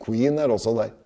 Queen er også der.